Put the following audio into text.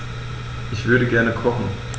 Ich würde gerne kochen.